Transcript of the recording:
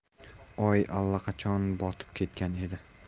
oy allaqachon botib ketgan edi